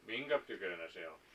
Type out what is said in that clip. minkä tykönä se on